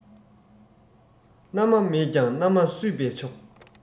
མནའ མ མེད ཀྱང མནའ མ བསུས པས ཆོག